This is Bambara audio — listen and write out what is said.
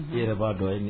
I yɛrɛ b'a dɔn ye